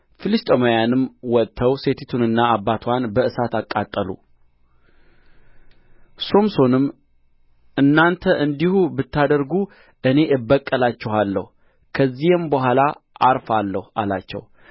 ፍልስጥኤማያንም ወጥተው ሴቲቱንና አባትዋን በእሳት አቃጠሉ ሶምሶንም እናንተ እንዲሁ ብታደርጉ እኔ እበቀላችኋለሁ ከዚያም በኋላ ዐርፋለሁ አላቸው